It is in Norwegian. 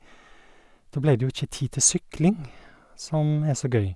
Da ble det jo ikke tid til sykling, som er så gøy.